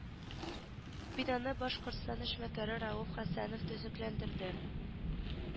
Бинаны башкортстан эшмәкәре рәүф хәсәнов төзекләндерде